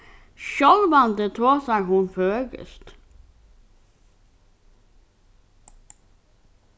sjálvandi tosar hon føroyskt